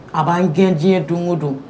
A b'an gɛn diɲɛ don o don